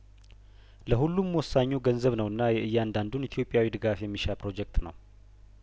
ለሁሉም ወሳኙ ገንዘብ ነውና የእያንዳንዱን ኢትዮጵያዊ ድጋፍ የሚሻ ፕሮጀክት ነው